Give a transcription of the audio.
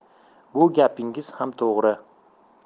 bu gapingiz ham to'g'ri